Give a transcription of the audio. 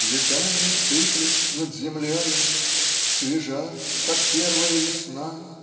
Цветами сыплет над землею, Свежа как первая весна